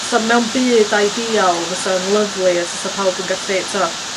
So mewn byd ideal fysa fo'n lyfli os fysa pawb yn gellu t'wo'